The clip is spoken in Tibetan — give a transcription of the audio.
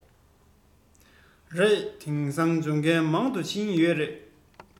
རེད དེང སང སྦྱོང མཁན མང དུ ཕྱིན ཡོད རེད